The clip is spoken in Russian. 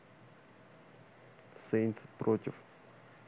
saints против